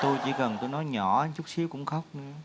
tôi chỉ cần tôi nói nhỏ chút xíu cũng khóc nữa